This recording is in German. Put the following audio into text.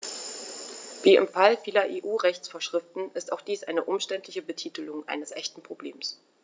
Wie im Fall vieler EU-Rechtsvorschriften ist auch dies eine umständliche Betitelung eines echten Problems.